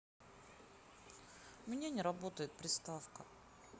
у меня не работает приставка